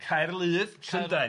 Caerludd, Llundain.